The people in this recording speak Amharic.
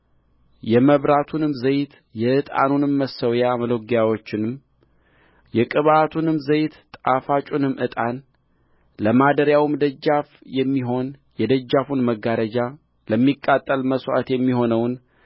የመብራቱንም ዘይት የዕጣኑን መሠዊያም መሎጊያዎቹንም የቅብዓቱንም ዘይት ጣፋጩንም ዕጣን ለማደሪያውም ደጃፍ የሚሆን የደጃፉን መጋረጃ ለሚቃጠል መሥዋዕት የሚሆነውን